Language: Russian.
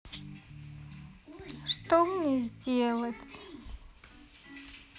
что мне сделать